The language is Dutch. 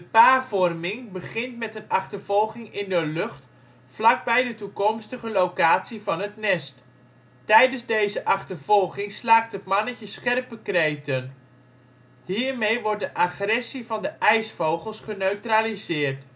paarvorming begint met een achtervolging in de lucht, vlakbij de toekomstige locatie van het nest. Tijdens deze achtervolging slaakt het mannetje scherpe kreten. Hiermee wordt de agressie van de ijsvogels geneutraliseerd